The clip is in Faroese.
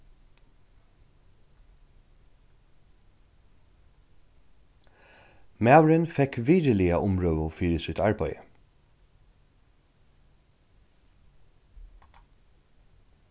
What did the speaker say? maðurin fekk virðiliga umrøðu fyri sítt arbeiði